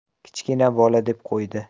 kichkina bola deb qo'ydi